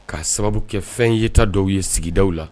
K'a sababu kɛ fɛn ye ta dɔw ye sigida la